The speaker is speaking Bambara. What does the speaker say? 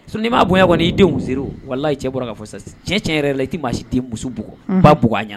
So n'i'a bonya wa i'i denw wala cɛ bɔra k'a fɔ sisan cɛ tiɲɛ yɛrɛ la i tɛ maa si den musoug ba b a ɲɛna